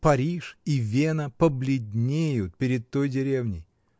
Париж и Вена побледнеют перед той деревней.